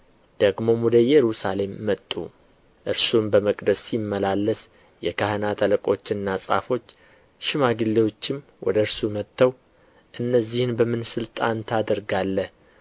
ደግሞም ወደ ኢየሩሳሌም መጡ እርሱም በመቅደስ ሲመላለስ የካህናት አለቆችና ጻፎች ሽማግሌዎችም ወደ እርሱ መጥተው እነዚህን በምን ሥልጣን ታደርጋለህ